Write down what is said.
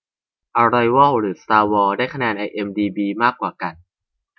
อะไรวอลหรือสตาร์วอร์ได้คะแนนไอเอ็มดีบีมากกว่ากัน